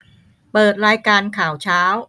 เปิดรายการข่าวเช้า